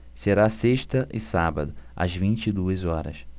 será sexta e sábado às vinte e duas horas